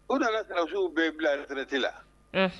U nana sinasiww bɛ bila sɛnɛti la